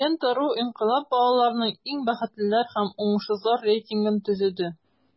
"лента.ру" инкыйлаб балаларының иң бәхетлеләр һәм уңышсызлар рейтингын төзеде.